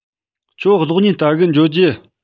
ཁྱོད གློག བརྙན བལྟ གི འགྱོ རྒྱུ